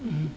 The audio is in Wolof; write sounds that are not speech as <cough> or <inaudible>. <hesitation> <hesitation>